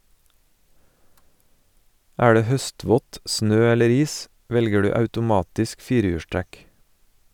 Er det høstvått, snø eller is, velger du automatisk firehjulstrekk.